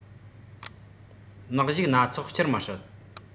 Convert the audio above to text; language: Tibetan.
ནག གཞུག སྣ ཚོགས བསྐྱུར མི སྲིད